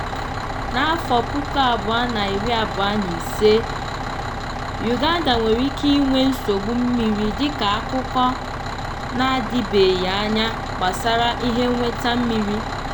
Na 2025, Uganda nwere ike ịnwe nsogbu mmiri dịka akụkọ na-adịbeghị anya gbasara ihenweta mmiri.